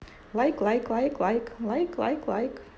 лайк лайк лайк лайк лайк лайк лайк